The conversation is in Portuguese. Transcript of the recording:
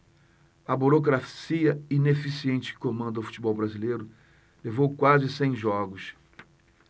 a burocracia ineficiente que comanda o futebol brasileiro levou quase cem jogos